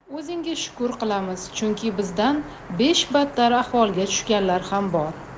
o'zingga shukr qilamiz chunki bizdan beshbattar ahvolga tushganlar ham bor